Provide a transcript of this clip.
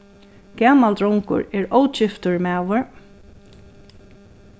gamal drongur er ógiftur maður s